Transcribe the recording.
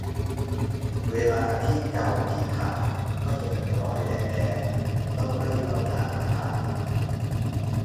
เวลาที่เกาที่ขาก็จะเป็นรอยแดงแดงต้องรีบเอายามาทา